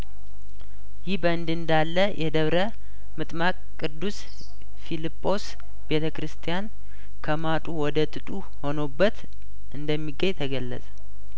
ይህ በእንዲህ እንዳለየደብረምጥ ማቅ ቅዱስ ፊልጶስ ቤተ ክርስቲያን ከማጡ ወደ ድጡ ሆኖበት እንደሚገኝ ተገለጸ